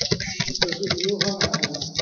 เปิดวิทยุห้องอาหาร